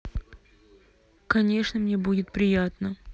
конечно мне будет приятно